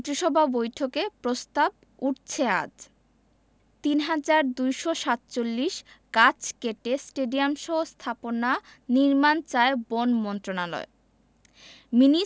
মন্ত্রিসভা বৈঠকে প্রস্তাব উঠছে আজ ৩২৪৭ গাছ কেটে স্টেডিয়ামসহ স্থাপনা নির্মাণ চায় বন মন্ত্রণালয়